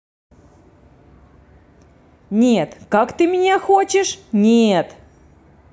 нет как ты меня хочешь нет